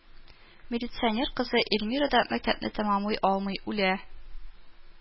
Милиционер кызы Эльмира да мәктәпне тәмамлый алмый, үлә